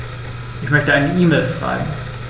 Ich möchte eine E-Mail schreiben.